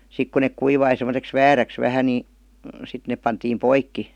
sitten kun ne kuivui semmoiseksi vääräksi vähän niin sitten ne pantiin poikki